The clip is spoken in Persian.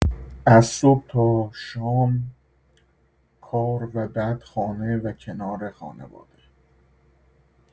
از صبح تا شام کار و بعد خانه و کنار خانواده.